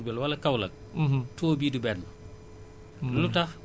donc dafa fekk boo dematee région de Diourbel wala Kaolack